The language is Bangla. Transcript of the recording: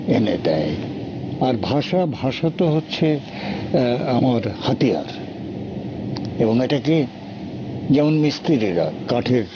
এনে দেয় আর ভাষা ভাষা তো হচ্ছে আমার হাতিয়ার এবং এটা কে যেমন মিস্ত্রিরা কাঠের